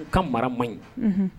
U ka mara man ɲi